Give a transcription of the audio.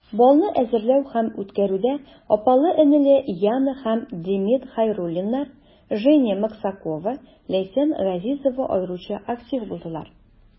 Балны әзерләү һәм үткәрүдә апалы-энеле Яна һәм Демид Хәйруллиннар, Женя Максакова, Ләйсән Газизова аеруча актив булдылар.